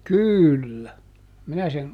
kyllä minä sen